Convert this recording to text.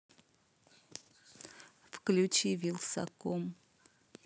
включи вилсаком